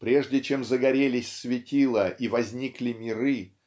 Прежде чем загорелись светила и возникли миры